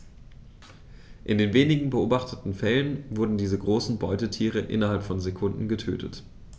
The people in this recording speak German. In den wenigen beobachteten Fällen wurden diese großen Beutetiere innerhalb von Sekunden getötet.